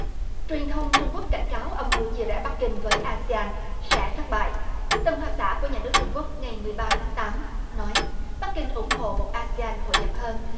truyền thông trung quốc cảnh cáo âm mưu chia rẽ bắc kinh với a se an sẽ thất bại tân hoa xã của nhà nước trung quốc ngày mười ba tháng tám nói bắc kinh ủng hộ một a se an hội nhập hơn